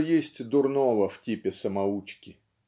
что есть дурного в типе самоучки.